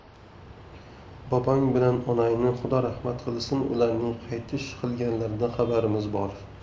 bobong bilan onangni xudo rahmat qilsin ularning qaytish qilganlaridan xabarimiz bor